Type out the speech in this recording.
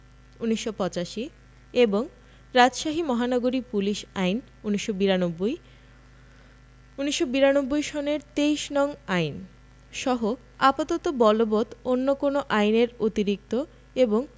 ১৯৮৫ এবং রাজশাহী মহানগরী পুলিশ আইন ১৯৯২ ১৯৯২ সনের ২৩ নং আইন সহ আপাতত বলবৎ অন্য কোন আইন এর অতিরিক্ত এবং